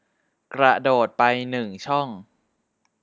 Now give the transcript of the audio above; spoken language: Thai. กระโดดไปหนึ่งช่อง